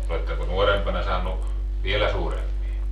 oletteko nuorempana saanut vielä suurempia